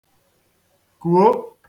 kùo